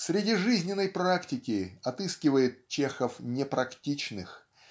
Среди жизненной практики отыскивает Чехов непрактичных.